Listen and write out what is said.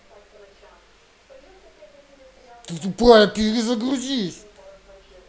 ты тупая перезагрузись